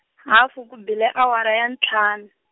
hafu ku bile awara ya ntlhanu.